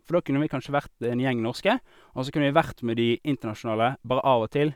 For da kunne vi kanskje vært en gjeng norske, og så kunne vi vært med de internasjonale bare av og til.